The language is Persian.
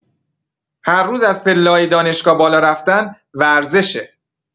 هرروز از پله‌های دانشگاه بالا رفتن ورزشه